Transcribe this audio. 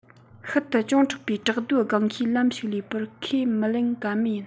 ཤུལ དུ ཅུང མཁྲེགས པའི བྲག རྡོའི སྒང ཁའི ལམ ཞིག ལུས པར ཁས མི ལེན ག མེད ཡིན